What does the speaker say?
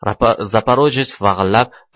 zaporojets vag'illab